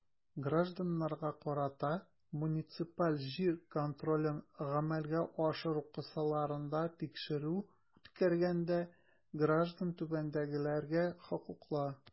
Гражданнарга карата муниципаль җир контролен гамәлгә ашыру кысаларында тикшерү үткәргәндә граждан түбәндәгеләргә хокуклы.